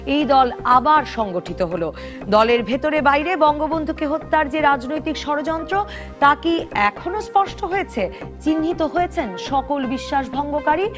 এই দল আবার সংগঠিত হল দলের ভিতরে বাইরে বঙ্গবন্ধুকে হত্যার যে রাজনৈতিক ষড়যন্ত্র তা কি এখনও স্পষ্ট হয়েছে চিহ্নিত হয়েছেন সকল বিশ্বাস ভঙ্গ কারি